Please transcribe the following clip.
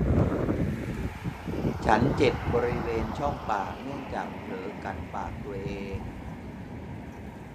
ฉันเจ็บบริเวณช่องปากเนื่องจากเผลอกัดปากตัวเอง